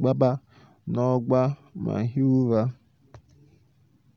gbaba n'ọgba ma hie ụra.